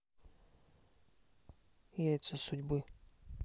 яйца судьбы